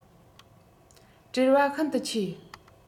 བྲེལ བ ཤིན ཏུ ཆེ